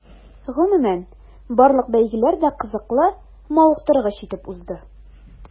Гомумән, барлык бәйгеләр дә кызыклы, мавыктыргыч итеп узды.